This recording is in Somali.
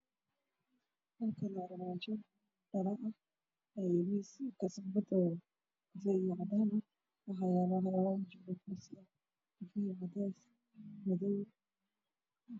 Waa kareen midabkiis yahay madow